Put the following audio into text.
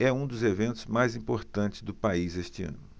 é um dos eventos mais importantes do país este ano